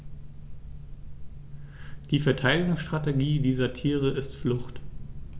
Die Verteidigungsstrategie dieser Tiere ist Flucht.